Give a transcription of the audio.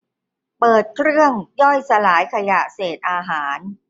เปิดเครื่องย่อยสลายขยะเศษอาหาร